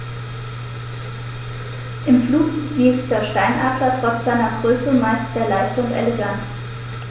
Im Flug wirkt der Steinadler trotz seiner Größe meist sehr leicht und elegant.